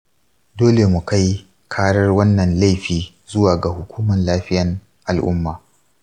dole mu kai karar wannan laifi zuwa ga hukuman lafiyan al'umma.